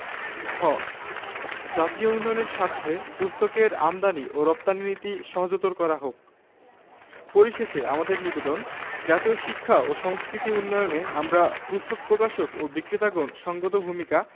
খ অন্যান্য উন্নয়নশীল দেশের মত পুস্তক প্রকাশনা ও শিক্ষার্থীদের ব্যবহৃত কাগজে ভর্তুকি প্রদানের ব্যবস্থা গ্রহণ করা হোক গ